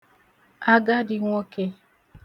agadī nwokē